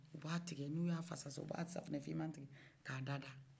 u b'a tigɛ n'u y'a fasa sisan u b'a safinɛ fiman ta k'a da da